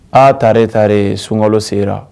Aa taarare taarare sunkalo sera